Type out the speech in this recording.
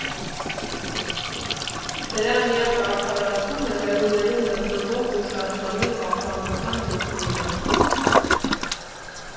Դրա միակ արդարացումը հեռուներում գտնվող հուշարձանի պահպանության ձգտումն է։